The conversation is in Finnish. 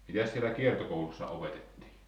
mitäs siellä kiertokoulussa opetettiin